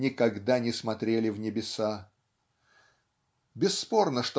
никогда не смотрели в небеса? Бесспорно